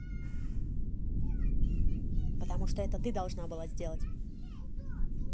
потому что это ты должна была сделать